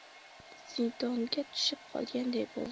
zindonga tushib qolganday bo'ldi